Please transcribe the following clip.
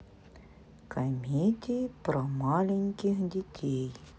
комедии про маленьких детей